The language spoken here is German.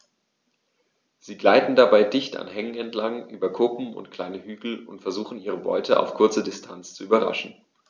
Sie gleiten dabei dicht an Hängen entlang, über Kuppen und kleine Hügel und versuchen ihre Beute auf kurze Distanz zu überraschen.